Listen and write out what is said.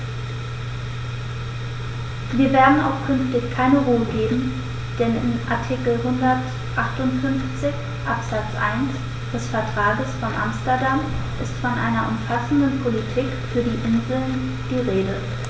Wir werden auch künftig keine Ruhe geben, denn in Artikel 158 Absatz 1 des Vertrages von Amsterdam ist von einer umfassenden Politik für die Inseln die Rede.